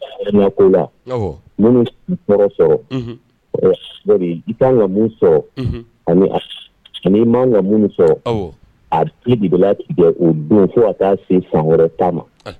Ko la, awɔ, minnu tɔgɔ sɔrɔ , unhun, i kan ka mun sɔrɔ, unhun, ani i man kan ka min n'u sɔrɔ, awɔ ,a bɛɛ de bɛ latigɛ o don fo ka t'a se san wɛrɛ ta ma.